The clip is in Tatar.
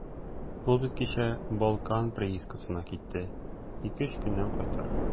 Ул бит кичә «Балкан» приискасына китте, ике-өч көннән кайтыр.